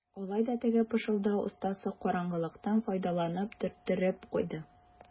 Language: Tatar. Алай да теге пышылдау остасы караңгылыктан файдаланып төрттереп куйды.